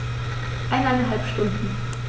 Eineinhalb Stunden